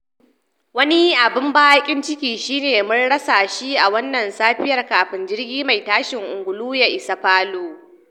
Wani abin bakin ciki shi ne mun rasa shi a wannan safiya kafin jirgi mai tashin angulun ya isa Palu.